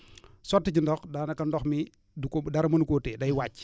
sotti ci ndox daanaka ndox mi du ko dara mënu koo téye day wàcc